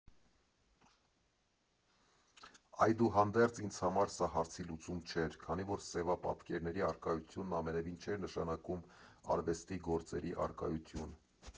Այդուհանդերձ, ինձ համար սա հարցի լուծում չէր, քանի որ սևապատկերների առկայությունն ամենևին չէր նշանակում արվեստի գործերի առկայություն։